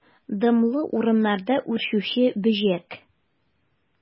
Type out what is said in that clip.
Дымлы урыннарда үрчүче бөҗәк.